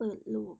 เปิดลูป